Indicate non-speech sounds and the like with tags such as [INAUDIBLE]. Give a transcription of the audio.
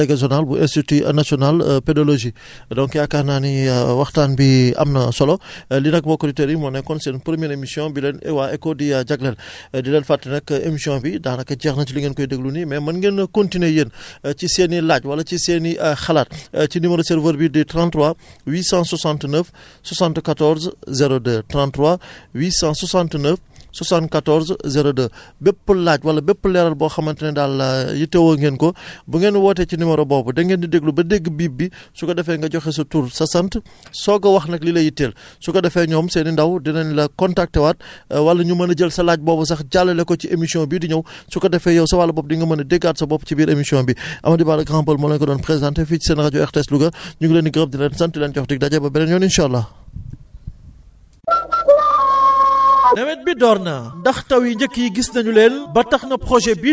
[BREATH] voilà jërëjëf [HESITATION] Serigne Pape Gora Kane di [HESITATION] assistant [BREATH] délégué zonal bu institut national [HESITATION] pédologie [BREATH] donc yaakaar naa ni [HESITATION] waxtaan bi am na solo [BREATH] lii nag mbokku auditeurs yi moo nekkoon seen première émission bi leen E waa ECHO di jagleel [BREATH] di leen fàttali nag émission bi daanaka jeex na si li ngeen koy déglu nii mais mën ngeen continuer yéen [BREATH] ci seen i laaj wala ci seen i [HESITATION] xalaat [BREATH] ci numéro serveur bi di 33 [BREATH] 869 [BREATH] 74 02 33 [BREATH] 869 74 02 bépp laaj wala bépp leeral boo xamante ne daal [HESITATION] yittewoo ngeen ko [BREATH] bu ngeen wootee ci numéro boobu da ngeen di déglu ba dégg bip bi su ko defee nga joxe sa tur sa sant [BREATH] soog a wax nag li la yitteel su ko defee ñoom seen i ndaw dinan la contacter waat [BREATH] wala ñu mën a jël sa laaj boobu sax jàllale ko ci émission bii di ñëw [BREATH] su ko defee yow sa wàll bopp di nga mën a déggaat sa bopp ci biir émission bi [BREATH] amady Ba le grand pël moo leen ko doon présenté fii ci seen rajo RTS Louga [BREATH] ñu ngi leen di gërëm di leen sant di leen jox dig daje ba beneen yoon insaa allaa [NOISE]